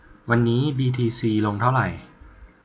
วันนี้บีทีซีลงเท่าไหร่